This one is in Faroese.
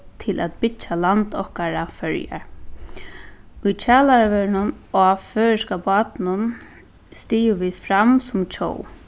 til at byggja land okkara føroyar í kjalarvørrinum á føroyska bátinum stigu vit fram sum tjóð